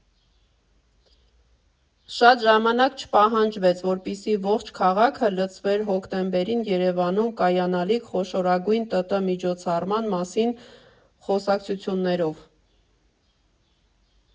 Շատ ժամանակ չպահանջվեց, որպեսզի ողջ քաղաքը լցվեր հոկտեմբերին Երևանում կայանալիք խոշորագույն ՏՏ միջոցառման մասին խոսակցություններով։